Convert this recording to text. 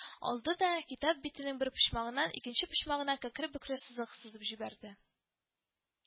Алды да китап битенең бер почмагыннан икенче почмагына кәкре-бөкре сызык сызып җибәрде